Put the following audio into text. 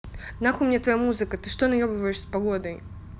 нахуй мне твоя музыка ты что наебываешь с погодой